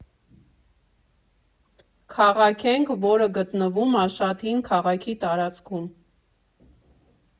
Քաղաք ենք, որը գտնվում ա շատ հին քաղաքի տարածքում։